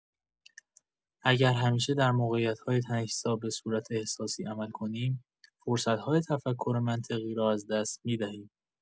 اگر همیشه در موقعیت‌های تنش‌زا به صورت احساسی عمل کنیم، فرصت‌های تفکر منطقی را از دست می‌دهیم.